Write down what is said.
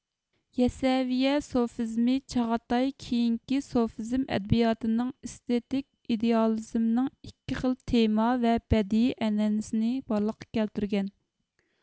يەسەۋىيە سوفىزمى چاغاتاي كېيىنكى سوفىزم ئەدەبىياتىنىڭ ئېستېتىك ئىدېئالىزمنىڭ ئىككى خىل تېما ۋە بەدىئىي ئەنئەنىسىنى بارلىققا كەلتۈرگەن